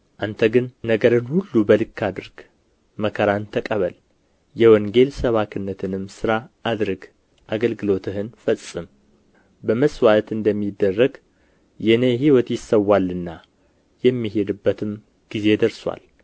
አንተ ግን ነገርን ሁሉ በልክ አድርግ መከራን ተቀበል የወንጌል ሰባኪነትን ሥራ አድርግ አገልግሎትህን ፈጽም በመሥዋዕት እንደሚደረግ የእኔ ሕይወት ይሠዋልና የምሄድበትም ጊዜ ደርሶአል